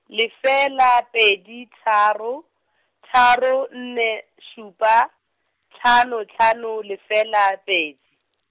lefela pedi tharo, tharo nne šupa, hlano hlano lefela pedi.